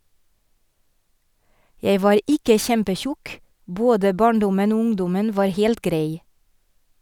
- Jeg var ikke kjempetjukk, både barndommen og ungdommen var helt grei.